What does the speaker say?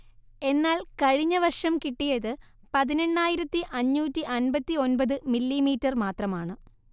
എന്നാൽ കഴിഞ്ഞ വര്ഷം കിട്ടിയത് പതിനെണ്ണായിരത്തി അഞ്ഞൂറ്റി അൻപത്തിയൊന്പത് മില്ലീമീറ്റർ മാത്രമാണ്